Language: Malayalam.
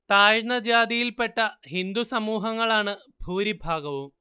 താഴ്ന്ന ജാതിയിൽ പെട്ട ഹിന്ദു സമൂഹങ്ങളാണ് ഭൂരിഭാഗവും